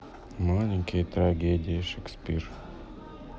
маленькие трагедии шекспир